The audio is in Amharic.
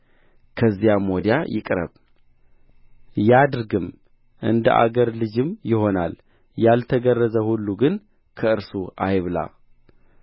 ከዚያም ወዲያ ይቅረብ ያድርግም እንደ አገር ልጅም ይሆናል ያልተገረዘ ሁሉ ግን ከእርሱ አይብላ